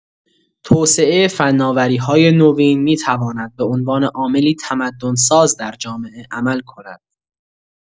توسعه فناوری‌های نوین می‌تواند به عنوان عاملی تمدن‌ساز در جامعه عمل کند.